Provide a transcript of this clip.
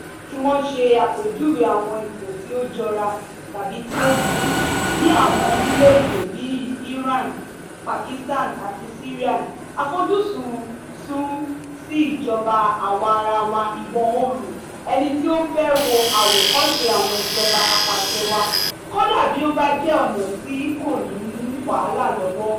Lẹ́yìn tí wọ́n ṣe àpèjúwe àwọn ipò tí ó jọra (tàbí tí ó burú) ní àwọn orílẹ̀ èdè bíi Iran, Pakistan àti Syria, àfojúsùn sún sí ìjọba àwa ara wa ìwọ oòrùn - ẹni tí ó fẹ́ wo àwòkọ́ṣe àwọn ìjọba apàṣẹ wàá, kódà bí ó bá jẹ́ ọ̀nà tí kò ní mú wàhálà lọ́wọ́.